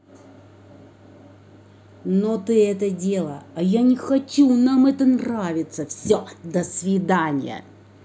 но ты это дело а я не хочу нам это нравится все до свидания